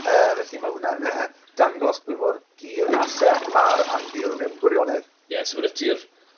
Yy felly ma' hwnna'n yy dangos pwy mor gul a serth ma'r Angrilu mewn gwirionedd. Ie so ma' 'dy ti'r